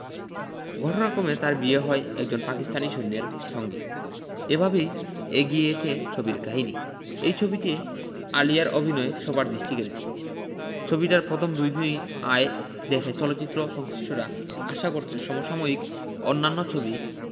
ঘটনাক্রমে তার বিয়ে হয় একজন পাকিস্তানী সৈন্যের সঙ্গে এভাবেই এগিয়েছে ছবির কাহিনী এই ছবিতে আলিয়ার অভিনয় সবার দৃষ্টি কেড়েছে ছবিটার পথম দুইদিনের আয় দেখে চলচ্চিত্র সংশ্লিষ্টরা আশা করছেন সম সাময়িক অন্যান্য ছবি